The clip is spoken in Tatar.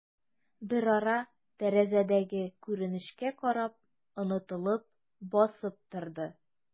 Берара, тәрәзәдәге күренешкә карап, онытылып басып торды.